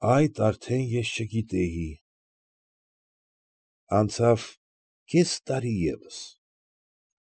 Այդ արդեն ես չգիտեի։ Անցավ կես տարի ևս։